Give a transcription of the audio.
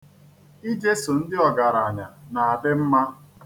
Ijeso ndị ọgaranya na-adị mma.